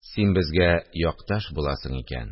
Син безгә якташ буласың икән